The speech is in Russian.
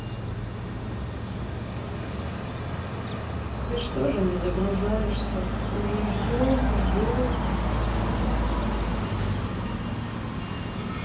ты что не загружаешься уже ждем ждем